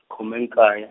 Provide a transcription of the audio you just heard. khume nkaye.